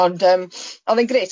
Ond yym, oedd e'n grêt.